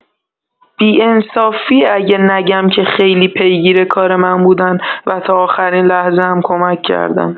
بی انصافیه اگه نگم که خیلی پیگیر کار من بودن و تا آخرین لحظه هم کمک کردن.